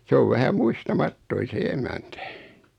se on vähän muistamaton se emäntä